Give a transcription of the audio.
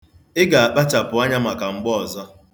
Ị ga-akpachapụ anya maka mgbe ọzọ.